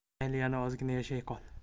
mayli yana ozgina yashay qol